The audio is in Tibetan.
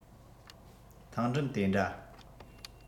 ཐང འགྲམ དེ འདྲ